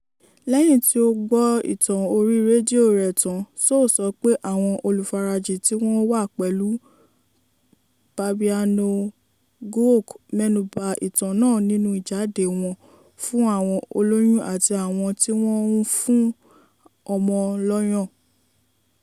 Lẹ́yìn tí ó gbọ́ ìtàn orí rédíò rẹ̀ tán, Sow sọ pé àwọn olùfarajìn tí wọ́n wà pẹ̀lú Badianou Guokh mẹ́nuba ìtàn náà nínú ìjáde wọn fún àwọn olóyún àti àwọn tí wọ́n ń fún ọmọ lọ́yàn.